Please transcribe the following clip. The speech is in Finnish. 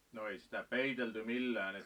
no ei sitä peitelty millään että